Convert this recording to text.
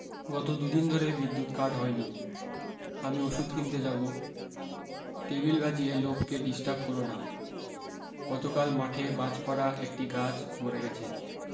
গত দুদিন ধরে বিদ্যুত কাট হয়নি আমি ওষুধ কিনতে যাব টেবিল বাজিয়ে লোক কে ডিস্টার্ব কোরো না গতকাল মাঠে বাজ পর একটি গাছ মরে গেছে